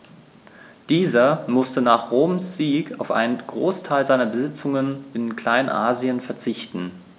Dieser musste nach Roms Sieg auf einen Großteil seiner Besitzungen in Kleinasien verzichten.